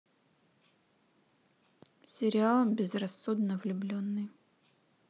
сериал безрассудно влюбленный